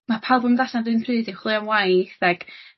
ma' pawb yn mynd allan 'r un pryd i chwilio am waith ag